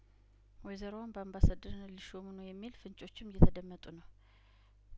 ወይዘሮዋም በአምባሳደርነት ሊሾሙ ነው የሚል ፍንጮችም እየተደመጡ ነው